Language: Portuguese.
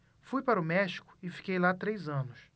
fui para o méxico e fiquei lá três anos